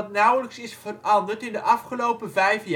nauwelijks is veranderd in de afgelopen 5 jaar. In 2005 heeft